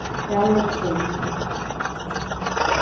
talið trý